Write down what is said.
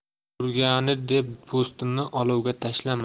burgani deb po'stinni olovga tashlama